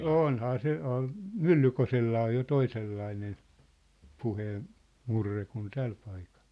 onhan se onhan Myllykoskellakin jo toisenlainen - puheenmurre kuin tällä paikalla